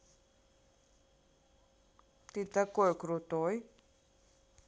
ты такой крутой